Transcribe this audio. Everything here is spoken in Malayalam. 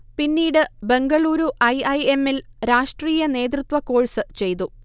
പിന്നീട് ബെംഗളൂരു ഐ. ഐ. എമ്മിൽ രാഷ്ട്രീയ നേതൃത്വ കോഴ്സ് ചെയ്തു